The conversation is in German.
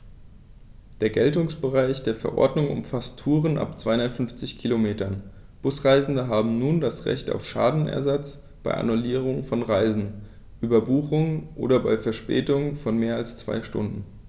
Der Geltungsbereich der Verordnung umfasst Touren ab 250 Kilometern, Busreisende haben nun ein Recht auf Schadensersatz bei Annullierung von Reisen, Überbuchung oder bei Verspätung von mehr als zwei Stunden.